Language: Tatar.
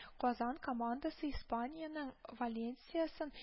Казан командасы Испаниянең Валенсиясен